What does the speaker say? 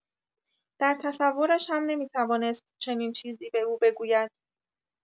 در تصورش هم نمی‌توانست چنین چیزی به او بگوید.